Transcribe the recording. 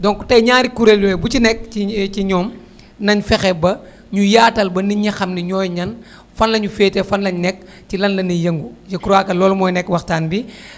donc tey ñaari kuréel yooyu bu ci nekk ci ci ñoom nañu fexe ba ñu yaatal ba nit ñi xam ni ñooy ñan fan la ñu féete fan la ñu nekk ci lan la ñuy yëngu je crois que loolu mooy nekk waxtaan bi